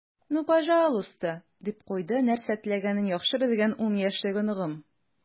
"ну пожалуйста," - дип куйды нәрсә теләгәнен яхшы белгән ун яшьлек оныгым.